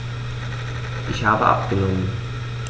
Ich habe abgenommen.